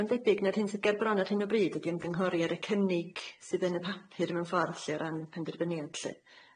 Ma'n debyg na'r hyn sydd gerbron ar hyn o bryd ydi ymgynghori ar y cynnig sydd yn y papur mewn ffordd lly, o ran penderfyniad lly.